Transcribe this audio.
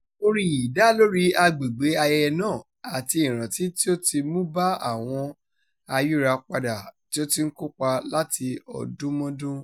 Orin yìí dá lóríi agbègbè ayẹyẹ náà, àti ìrántí tí ó ti mú bá àwọn ayírapadà tí ó ti ń kópa láti ọdúnmọ́dún.